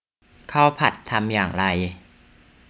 ข้าวผัดทำอย่างไร